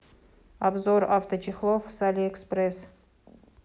обзор авточехлов с алиэкспресс